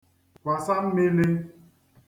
kwàsa mmilī